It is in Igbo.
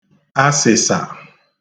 asị̀sà